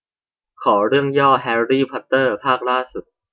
ขอเรื่องย่อของแฮรี่พอตเตอร์ภาคล่าสุด